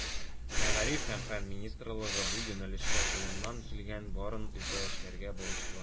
Мәгариф һәм фән министрлыгы бу юнәлештә кулыннан килгәннең барын да эшләргә бурычлы.